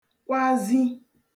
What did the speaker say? kwazi